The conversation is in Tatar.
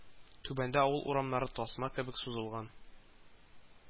Түбәндә авыл урамнары тасма кебек сузылган